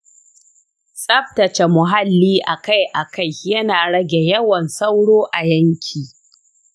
tsaftace muhalli akai-akai yana rage yawan sauro a yanki.